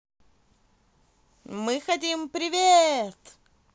мы хотим привет